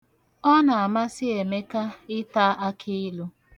Ọ na-amasị Emeka ịta akịilu.